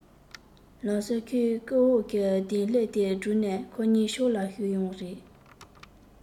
ལམ སེང ཁོའི རྐུབ འོག གི གདན ལྷེབ དེ སྒྲུག ནས ཁོ གཉིས ཕྱོགས ལ ཞུས ཡོང བ རེད